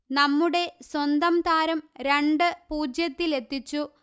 നമ്മുടെ സ്വന്തം താരം രണ്ട് പൂജ്യത്തിലെത്തിച്ചു